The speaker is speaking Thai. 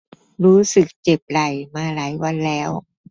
รู้สึกเจ็บไหล่มาหลายวันแล้ว